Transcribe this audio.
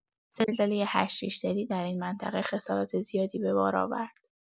زلزله هشت ریش‌تری در این منطقه خسارات زیادی به بار آورد.